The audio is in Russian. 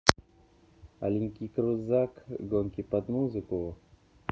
аленький крузак гонки под музыку